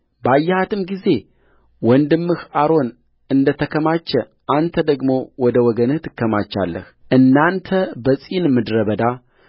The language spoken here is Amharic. ባየሃትም ጊዜ ወንድምህ አሮን እንደ ተከማቸ አንተ ደግሞ ወደ ወገንህ ትከማቻለህእናንተ በጺን ምድረ በዳ